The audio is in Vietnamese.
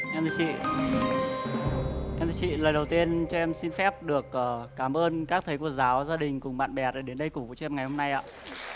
em thưa chị em thưa chị lời đầu tiên cho em xin phép được ờ cảm ơn các thầy cô giáo gia đình cùng bạn bè đã đến đây để cổ vũ cho em ngày hôm nay ạ